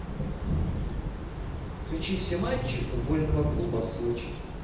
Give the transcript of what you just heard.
включи все матчи футбольного клуба сочи